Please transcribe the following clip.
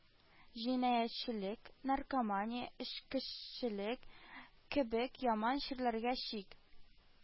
Җинаятьчелек, наркомания, эчкечелек кебек яман чирләргә чик